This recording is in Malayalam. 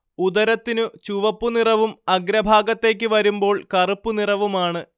ഉദരത്തിനു ചുവപ്പ് നിറവും അഗ്രഭാഗത്തേക്ക് വരുമ്പോൾ കറുപ്പു നിറവുമാണ്